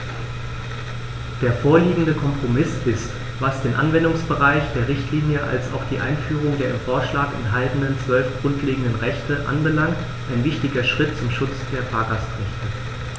Der vorliegende Kompromiss ist, was den Anwendungsbereich der Richtlinie als auch die Einführung der im Vorschlag enthaltenen 12 grundlegenden Rechte anbelangt, ein wichtiger Schritt zum Schutz der Fahrgastrechte.